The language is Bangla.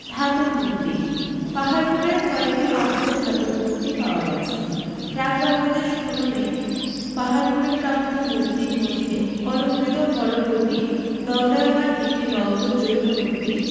ধাতব মূর্তি পাহাড়পুরে কয়েকটি মাত্র ধাতব মূর্তি পাওয়া গেছে প্রাক বাংলাদেশ খননে পাহাড়পুরে প্রাপ্ত মূর্তির মধ্যে অলংকৃত হরগৌরী দন্ডায়মান একটি নগ্ন জৈন মূর্তি